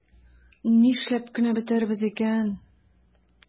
Нишләп кенә бетәрбез икән?